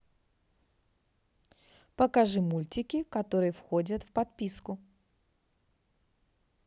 покажи мультики которые входят в подписку